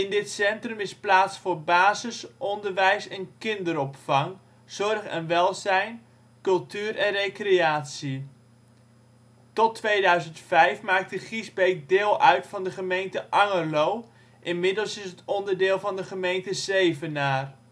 dit centrum is plaats voor (basis -) onderwijs en kinderopvang, zorg en welzijn, cultuur en recreatie. Tot 2005 maakte Giesbeek deel uit van de gemeente Angerlo, inmiddels is het onderdeel van de gemeente Zevenaar